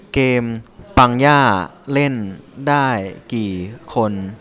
เกมปังย่าเล่นได้กี่คน